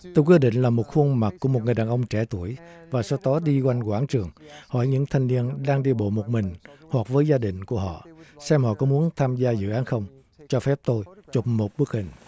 tôi quyết định làm một khuôn mặt của một người đàn ông trẻ tuổi và sau đó đi quanh quảng trường hỏi những thanh niên đang đi bộ một mình hoặc với gia đình của họ xem họ có muốn tham gia dự án không cho phép tôi chụp một bức hình